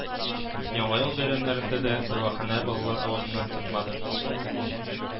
Яңа ел бәйрәмнәрендә дә дәваханә балалар авазыннан тынмады